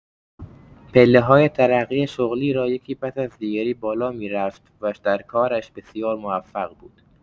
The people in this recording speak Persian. پله‌های ترقی شغلی را یکی پس از دیگری بالا می‌رفت و در کارش بسیار موفق بود.